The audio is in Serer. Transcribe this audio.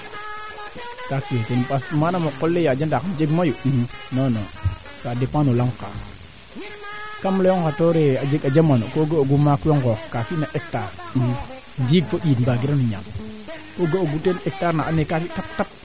surtout xa teɓanoonga xe ando naye dena ndiiga ta yee moƴma neew parfois kam retoogu na koɓndaa wa eemo coox machine wala o lakasa cooxel machine ndaa machine ne waa xupong doole faa ando naye surtout boo o raatale a meene a areer ko ga ka o fiya nga fi nene